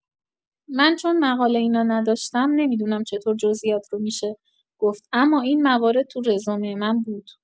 من چون مقاله اینا نداشتم نمی‌دونم چطور جزییات رو می‌شه گفت اما این موارد تو رزومه من بود.